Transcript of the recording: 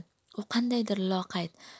u qandaydir loqayd